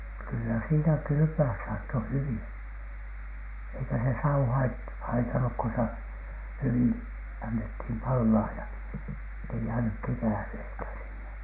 kyllä siinä kylpeä saattoi hyvin eikä se savu - haitannut kun se hyvin annettiin palaa ja että ei jäänyt kekäleitä sinne